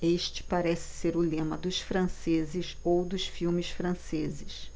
este parece ser o lema dos franceses ou dos filmes franceses